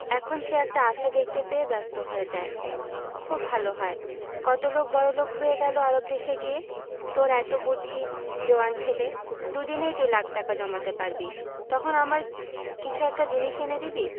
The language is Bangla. এখন সে একটা আশা দেখতে পেয়ে ব্যস্ত হয়ে যায় খুব ভালো হয় কত লোক বড়লোক হয়ে গেল আরব দেশে গিয়ে তোর এত বুদ্ধি জোয়ান ছেলে দুদিনেই তুই লাখ টাকা জমাতে পারবি তখন আমার কিছু একটা জিনিস এনে দিবি